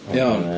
Iawn.